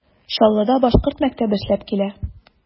Чаллыда башкорт мәктәбе эшләп килә.